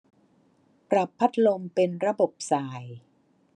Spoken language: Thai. ปรับพัดลมเป็นระบบส่าย